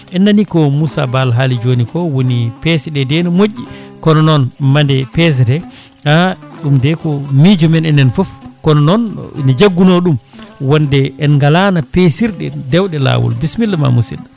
en nani ko Moussa Baal haali joni ko woni peese ɗe nde ne moƴƴi kono noon maade peesete ha ɗumde ko miijo men enen foof kono noon ian jagguno ɗum wonde en galano peesirɗe dewɗe lawol bisimillama musidɗo